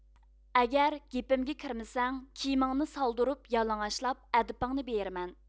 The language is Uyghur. ئەگەر گېپىمگە كىرمىسەڭ كىيىمىڭنى سالدۇرۇپ يالىڭاچلاپ ئەدىپىڭنى بېرىمەن